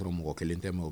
Mɔgɔ kelen tɛw